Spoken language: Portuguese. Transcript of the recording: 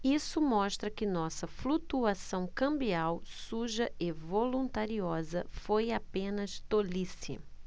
isso mostra que nossa flutuação cambial suja e voluntariosa foi apenas tolice